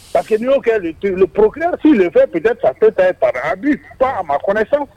Pa queseke n y'o kɛ pour su defɛ tun tɛ tafe ta ye pa a bi pan a mafɛn